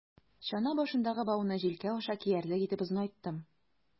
Чана башындагы бауны җилкә аша киярлек итеп озынайттым.